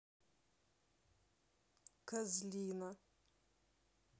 козлина